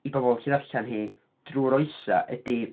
I bobl gallu ddarllen hi drwy'r oesau ydy...